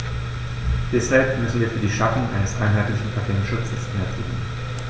Deshalb müssen wir für die Schaffung eines einheitlichen Patentschutzes mehr tun.